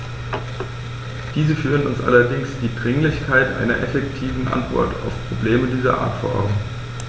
Diese führen uns allerdings die Dringlichkeit einer effektiven Antwort auf Probleme dieser Art vor Augen.